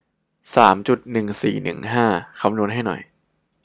สามจุดหนึ่งสี่หนึ่งห้าคำนวณให้หน่อย